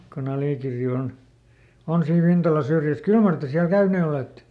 kun Alikirri on on siinä Vintalan syrjässä kyllä mar te siellä käyneet olette